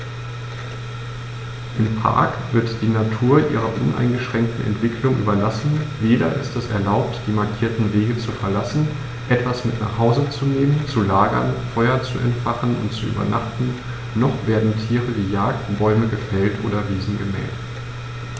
Im Park wird die Natur ihrer uneingeschränkten Entwicklung überlassen; weder ist es erlaubt, die markierten Wege zu verlassen, etwas mit nach Hause zu nehmen, zu lagern, Feuer zu entfachen und zu übernachten, noch werden Tiere gejagt, Bäume gefällt oder Wiesen gemäht.